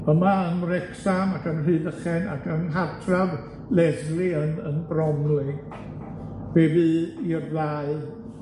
yma yng Ngwrecsam ac yn Rhydychen ac yng nghartraf Lesley yn yn Bromley, fe fu i'r ddau